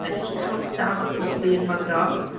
But he cannot stand the thought of being mugged off.